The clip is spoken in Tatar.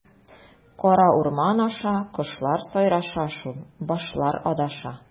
Кара урман аша, кошлар сайраша шул, башлар адаша.